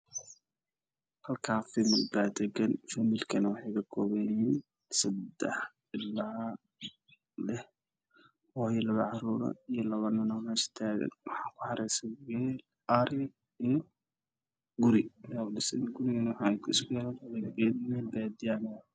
Waa sawir farshaxan waa aqal hori waxaa ag taagan naad iyo niman waxaa ka dambeeya geel farabadan oo daaqayo